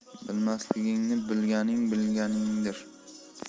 bilmasligingni bilganing bilganingdir